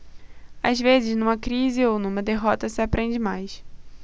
às vezes numa crise ou numa derrota se aprende mais